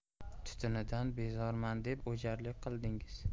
tutunidan bezorman deb o'jarlik qildingiz